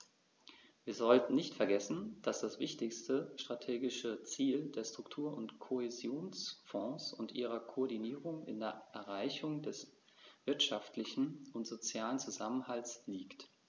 Wir sollten nicht vergessen, dass das wichtigste strategische Ziel der Struktur- und Kohäsionsfonds und ihrer Koordinierung in der Erreichung des wirtschaftlichen und sozialen Zusammenhalts liegt.